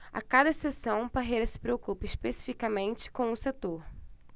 a cada sessão parreira se preocupa especificamente com um setor